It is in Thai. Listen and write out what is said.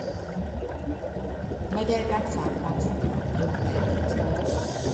ไม่ได้รักษาความสะอาดจนแผลติดเชื้อ